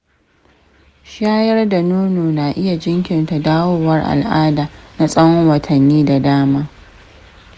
shayar da nono na iya jinkirta dawowar al'ada na tsawon watanni da dama.